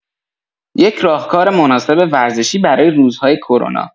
یک راهکار مناسب ورزشی برای روزهای کرونا